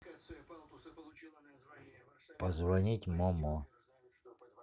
позвонить момо